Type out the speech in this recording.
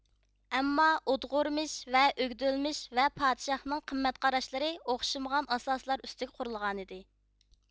ئەمما ئودغۇرمىش ۋە ئۆگدۈلمىش ۋە پادىشاھنىڭ قىممەت قاراشلىرى ئوخشىمىغان ئاساسلار ئۈستىگە قۇرۇلغانىدى